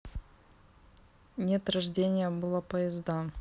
нет рождения было поезда